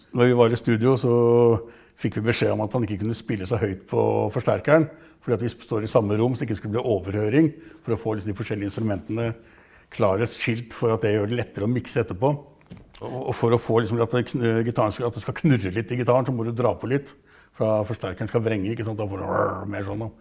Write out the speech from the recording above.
når vi var i studio så fikk vi beskjed om at han ikke kunne spille så høyt på forsterkeren fordi at vi står i samme rom, så det ikke skulle bli overhøring for å få liksom de forskjellige instrumentene klarest skilt for at det gjør det lettere å mikse etterpå og og for å få liksom det at gitaren skal, at det skal knurre litt i gitaren så må du dra på litt for at forsterkeren skal vrenge ikke sant da får du mer sånn da.